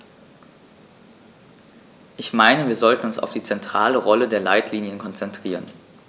Ich meine, wir sollten uns auf die zentrale Rolle der Leitlinien konzentrieren.